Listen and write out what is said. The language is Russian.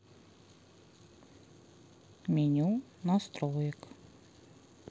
меню настроек